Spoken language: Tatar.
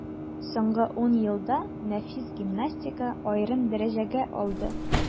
Соңгы ун елда нәфис гимнастика аерым дәрәҗәгә алды.